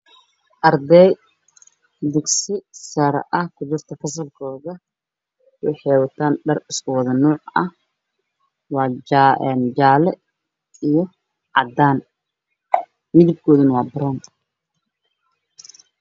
Waa arday wiilal ah oo wax baranaayo